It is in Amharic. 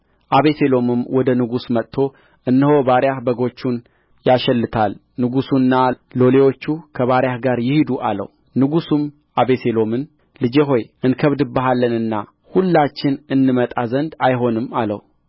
አቤሴሎምም ወደ ንጉሡ መጥቶ እነሆ ባሪያህ በጎቹን ያሸልታል ንጉሡና ሎሌዎቹ ከባሪያህ ጋር ይሂዱ አለው ንጉሡም አቤሴሎምን ልጄ ሆይ እንከብድብሃለንና ሁላችን እንመጣ ዘንድ አይሆንም አለው